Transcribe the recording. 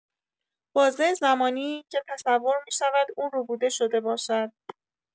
بازه زمانی‌ای که تصور می‌شود او ربوده شده باشد.